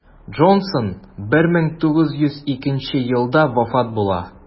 Джонсон 1902 елда вафат була.